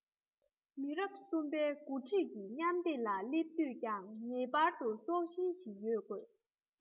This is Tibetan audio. མི རབས གསུམ པའི འགོ ཁྲིད ཀྱི མཉམ བསྡེབ ལ སླེབས དུས ཀྱང ངེས པར དུ སྲོག ཤིང ཞིག ཡོད དགོས